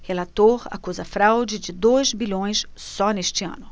relator acusa fraude de dois bilhões só neste ano